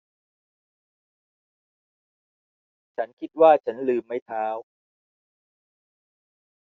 ฉันคิดว่าฉันลืมไม้เท้า